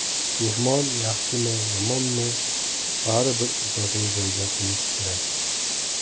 mehmon yaxshimi yomonmi bari bir izzatini joyiga qo'yishi kerak